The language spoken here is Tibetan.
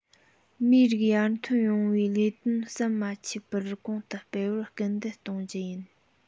མིའི རིགས ཡར ཐོན ཡོང བའི ལས དོན ཟམ མ ཆད པར གོང དུ འཕེལ བར སྐུལ འདེད གཏོང རྒྱུ ཡིན